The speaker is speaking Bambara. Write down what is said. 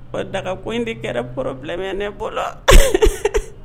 O daga ko indi kɛra baro bilamɛ ne bolo